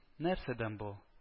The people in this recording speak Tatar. Нәрсәдән бу